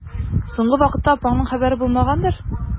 Соңгы вакытта апаңның хәбәре булмагандыр?